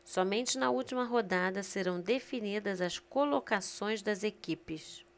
somente na última rodada serão definidas as colocações das equipes